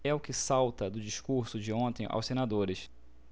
é o que salta do discurso de ontem aos senadores